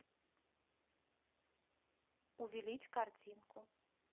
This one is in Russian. увеличь картинку